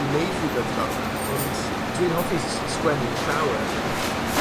i neud rhwbeth fel 'na, ond dwi'n hoffi s- sgwennu llawer, ond